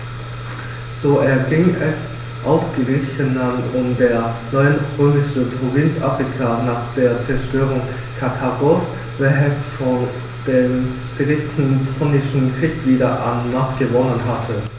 So erging es auch Griechenland und der neuen römischen Provinz Afrika nach der Zerstörung Karthagos, welches vor dem Dritten Punischen Krieg wieder an Macht gewonnen hatte.